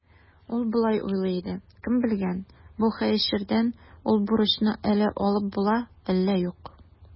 Ул болай уйлый иде: «Кем белгән, бу хәерчедән ул бурычны әллә алып була, әллә юк".